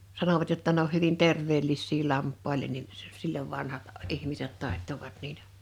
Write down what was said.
sanovat jotta ne on hyvin terveellisiä lampaille niin -- silloin vanhat ihmiset taittoivat niitä